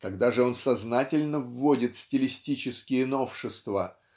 Когда же он сознательно вводит стилистические новшества